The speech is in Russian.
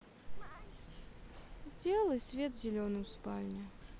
сделай свет зеленым в спальне